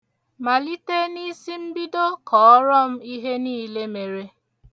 Malite n'isimbido kọọrọ m ihe niile mere.